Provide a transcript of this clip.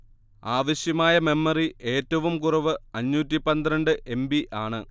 ആവശ്യമായ മെമ്മറി ഏറ്റവും കുറവ് അഞ്ഞൂറ്റി പന്ത്രണ്ട് എം ബി യാണ്